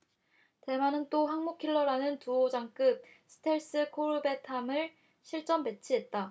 대만은 또 항모킬러라는 두오장급 스텔스 코르벳함을 실전배치했다